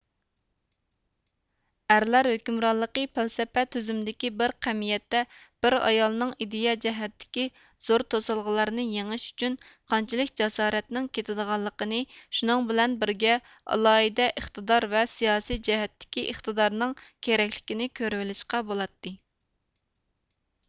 ئەرلەر ھۆكۈمرانلىقى پەلسەپە تۈزۈمدىكى بىر قەمىيەتتە بىر ئايالنىڭ ئىدىيە جەھەتتىكى زور توسالغۇلارنى يېڭىش ئۈچۈن قانچىلىك جاسارەتنىڭ كېتىدىغانلىقىنى شۇنىڭ بىلەن بىرگە ئالاھىدە ئىقتىدار ۋە سىياسىي جەھەتتىكى ئىقتىدارنىڭ كېرەكلىكىنى كۆرۈۋېلىشقا بولاتتى